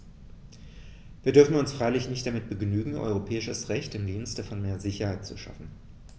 Wir dürfen uns freilich nicht damit begnügen, europäisches Recht im Dienste von mehr Sicherheit zu schaffen.